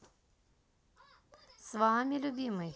с вами любимый